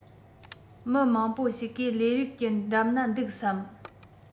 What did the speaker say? མི མང པོ ཞིག གིས ལས རིགས ཀྱི འགྲམ ན འདུག བསམ